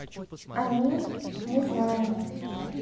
а мир не знаю